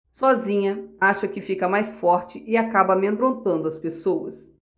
sozinha acha que fica mais forte e acaba amedrontando as pessoas